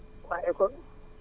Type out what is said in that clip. waa ECHO